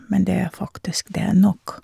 Men det er faktisk det er nok.